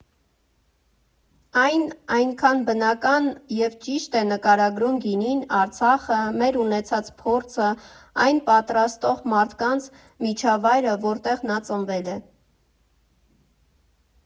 Այն այնքան բնական և ճիշտ է նկարագրում գինին, Արցախը, մեր ունեցած փորձը, այն պատրաստող մարդկանց, միջավայրը, որտեղ նա ծնվել է։